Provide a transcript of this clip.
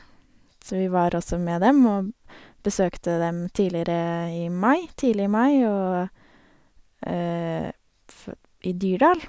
Så vi var også med dem og besøkte dem tidligere i mai tidlig i mai og pfå i Dyrdal.